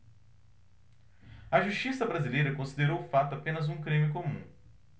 a justiça brasileira considerou o fato apenas um crime comum